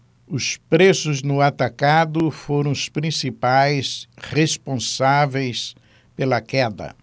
os preços no atacado foram os principais responsáveis pela queda